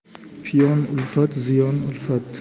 piyon ulfat ziyon ulfat